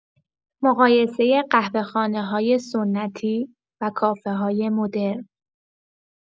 مقایسه قهوه‌خانه‌های سنتی و کافه‌های مدرن